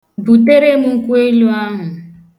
Butere m nkwuelu ahụ.